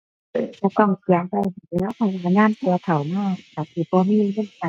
ก็ต้องประหยัดก็แหล้ว บัดยามแก่เฒ่ามาก็สิบ่มีเงินก็